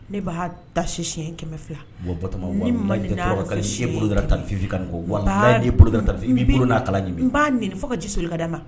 Ne b'a dasi siyɛn kɛmɛ filayɛn bolofin ka bolofin bolo' n b'a nin fɔ ka ji so ka da na